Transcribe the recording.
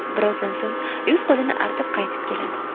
bir ozdan so'ng yuz qo'lini artib qaytib keladi